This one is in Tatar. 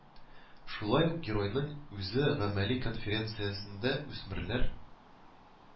Шулай ук геройның үзе гамәли конференциясендә Үсмерләр